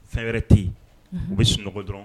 Fɛn wɛrɛ tɛ yen u bɛ sunɔgɔ dɔrɔn